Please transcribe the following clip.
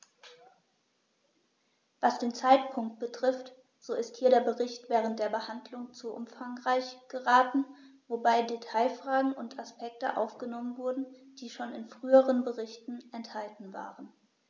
Was den Zeitpunkt betrifft, so ist hier der Bericht während der Behandlung zu umfangreich geraten, wobei Detailfragen und Aspekte aufgenommen wurden, die schon in früheren Berichten enthalten waren.